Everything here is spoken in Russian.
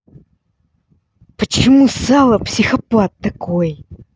почему сало психопат такой